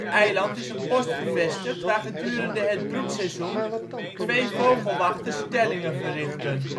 eiland is een post gevestigd waar gedurende het broedseizoen twee vogelwachters tellingen verrichten